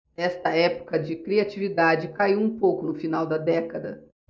esta época de criatividade caiu um pouco no final da década